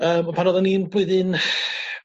yym pan oddan ni'n blwyddyn